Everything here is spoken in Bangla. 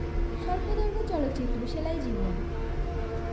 স্বল্পদৈর্ঘ্য চলচ্চিত্র সেলাই জীবন